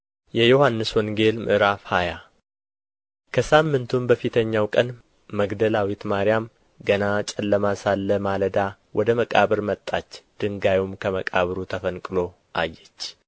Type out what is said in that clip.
የዮሐንስ ወንጌል ምዕራፍ ሃያ ከሳምንቱም በፊተኛው ቀን መግደላዊት ማርያም ገና ጨለማ ሳለ ማለዳ ወደ መቃብር መጣች ድንጋዩም ከመቃብሩ ተፈንቅሎ አየች